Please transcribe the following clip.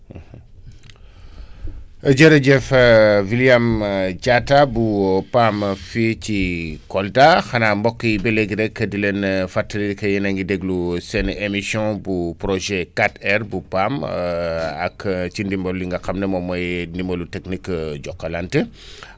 jërëjëf William Diatta bu PAM fii ci Kolda xanaa mbokk yi ba léegi rek di leen fàttali que yéen a ngi déglu seen émission bu projet 4R bu PAM ak ci ndimbal li nga xam ne moom mooy ndimbalu technique Jokalante